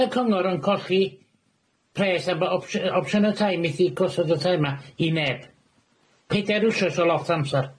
'Da ni 'atha cyngor yn colli pres am bo- am bo opsiyna tai methu gosod y tai 'ma i neb. Pedair wos yn lot o amsar.